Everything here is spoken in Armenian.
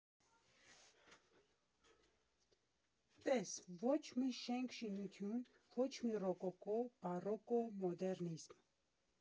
Տես, ոչ մի շենք֊շինություն, ոչ մի ռոկոկո, բառոկո, մոդեռնիզմ…